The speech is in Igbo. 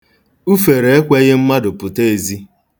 Ufere ekweghị mmadụ pụta ezi.